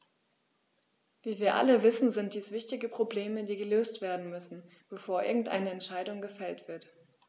Wie wir alle wissen, sind dies wichtige Probleme, die gelöst werden müssen, bevor irgendeine Entscheidung gefällt wird.